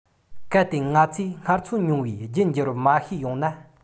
གལ ཏེ ང ཚོས སྔར འཚོ མྱོང བའི རྒྱུད འགྱུར བར མ ཤེས ཡོད ན